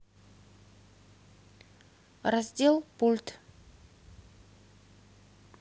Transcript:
раздел пульт